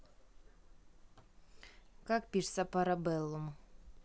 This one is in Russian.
как пишется парабеллум